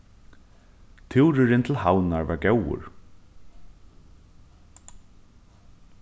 túrurin til havnar var góður